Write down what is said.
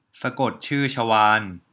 สะกดชื่อชวาล